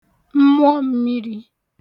mmụọmmiri